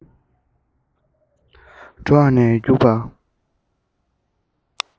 འགྲོ བ ནས རྒྱུག པ